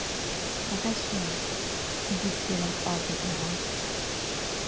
“гаҗәп”, дип уйлап алды иван.